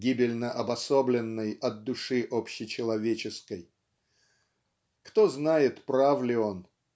"гибельно обособленной от души общечеловеческой". Кто знает, прав ли он?